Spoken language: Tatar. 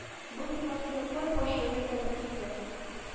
Мондый матурлыктан башым әйләнеп китте